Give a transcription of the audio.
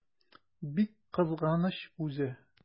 Бик кызганыч үзе!